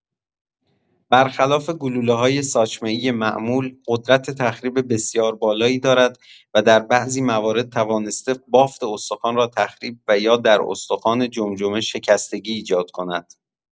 برخلاف گلوله‌های ساچمه‌ای معمول، قدرت تخریب بسیار بالایی دارد و در بعضی موارد توانسته بافت استخوان را تخریب و یا در استخوان جمجمه شکستگی ایجاد کند.